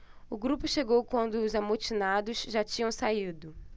o grupo chegou quando os amotinados já tinham saído